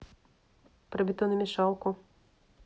про бетономешалку